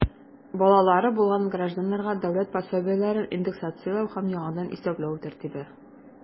Балалары булган гражданнарга дәүләт пособиеләрен индексацияләү һәм яңадан исәпләү тәртибе.